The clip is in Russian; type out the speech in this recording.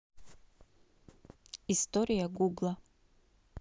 история гугла